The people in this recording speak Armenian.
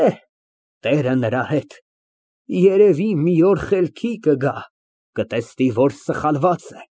Էհ, տերը նրա հետ, երևի մի օր խելքի կգա, կտեսնի, որ սխալված է։